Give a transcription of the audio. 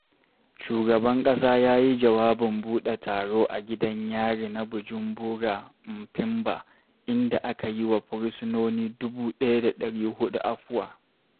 Shugaban ƙasa ya yi jawabin buɗe taro a Gidan Yari na Bujumbura Mpimba, inda aka yi wa fursinoni 1,400 afuwa.